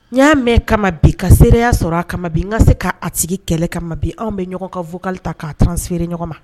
N' y'a mɛn kama bi ka seereya sɔrɔ a kama bin n ka se k'a a sigi kɛlɛ ka ma bi anw bɛ ɲɔgɔn kaugli ta k'a tse feereere ɲɔgɔn ma